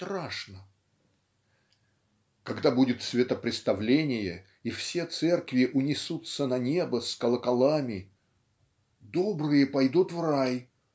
страшно!" Когда будет светопреставление и все церкви унесутся на небо с колоколами "добрые пойдут в рай